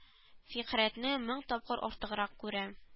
Фикърәтне мең тапкыр артыграк күрә